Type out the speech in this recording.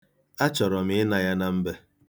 Achọrọ m ịna ya na mbe.